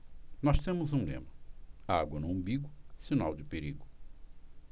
nós temos um lema água no umbigo sinal de perigo